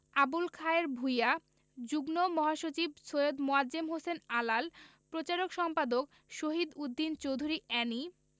আবুল খায়ের ভূইয়া যুগ্ম মহাসচিব সৈয়দ মোয়াজ্জেম হোসেন আলাল প্রচার সম্পাদক শহীদ উদ্দিন চৌধুরী এ্যানি